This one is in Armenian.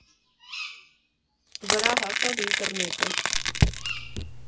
Վրա հասավ ինտերնետը.